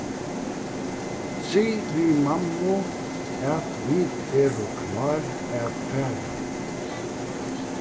sig við mammu at vit eru klár at fara